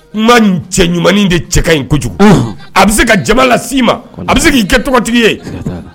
Cɛ ɲuman de cɛka ɲi kojugu a bɛ se ka jama la ma a bɛ se k'i kɛ tɔgɔtigi ye